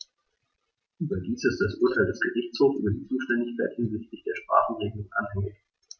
Überdies ist das Urteil des Gerichtshofes über die Zuständigkeit hinsichtlich der Sprachenregelung anhängig.